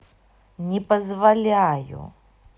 не позволяю